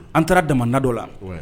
An taara dama nadɔ la